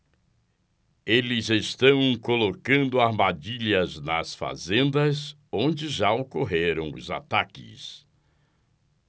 eles estão colocando armadilhas nas fazendas onde já ocorreram os ataques